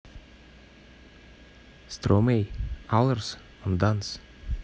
stromae alors on danse